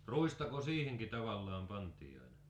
ruistako siihenkin tavallaan pantiin aina